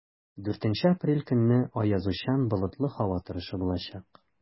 4 апрель көнне аязучан болытлы һава торышы булачак.